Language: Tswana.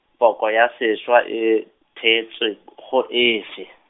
poko ya seswa e, thetswe, k- go efe?